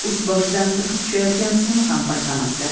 ust boshidan sirqib tushayotgan suvni ham payqamasdi